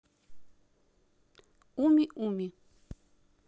уми уми